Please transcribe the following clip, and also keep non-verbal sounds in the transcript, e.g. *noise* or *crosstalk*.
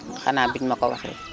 *crosstalk* xanaa bi ñu ma ko waxee